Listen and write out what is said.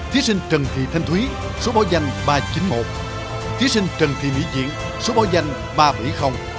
thí sinh trần thị thanh thúy số báo danh ba chín một thí sinh trần thị mỹ diện số báo danh ba bảy không